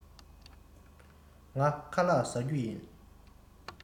ང ཁ ལགས བཟའ རྒྱུ ཡིན